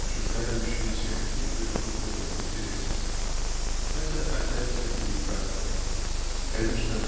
чуждающееся каких-либо духовных интересов. Это опять-таки неправда. Конечно